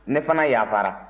ne fana yafara